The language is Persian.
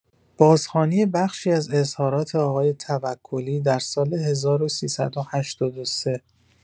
بازخوانی بخشی از اظهارات آقای توکلی در سال ۱۳۸۳